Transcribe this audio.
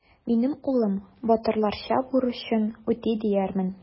Минем улым батырларча бурычын үти диярмен.